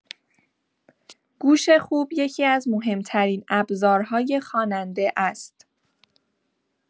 گوش خوب یکی‌از مهم‌ترین ابزارهای خواننده است.